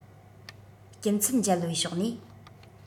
སྐྱིན ཚབ འཇལ བའི ཕྱོགས ནས